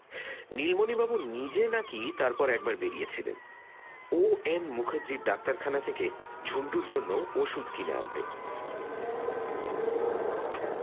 নীলমণিবাবু নিজে নাকি তারপর একবার বেরিয়েছিলেন ও এন মুখার্জির ডাক্তারখানা থেকে ঝুন্টুর জন্য ওষুধ কিনে আনতে